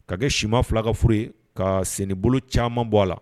Ka kɛ sima 2 ka furu ye kaa sen ni bolo caman bɔ a la